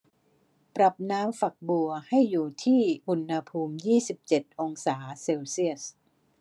ปรับน้ำฝักบัวให้อยู่ที่อุณหภูมิยี่สิบเจ็ดองศาเซลเซียส